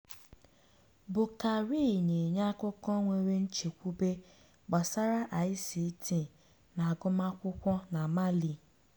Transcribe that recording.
Boukary Konaté na-enye akụkọ nwere nchekwube gbasara ICT na agụmakwụkwọ na Mali.